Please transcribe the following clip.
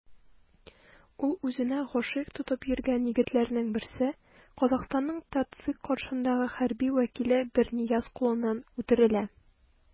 Ул үзенә гашыйк тотып йөргән егетләрнең берсе - Казахстанның ТатЦИК каршындагы хәрби вәкиле Бернияз кулыннан үтерелә.